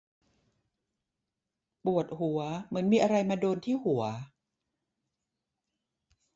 ปวดหัวเหมือนมีอะไรมาโดนที่หัว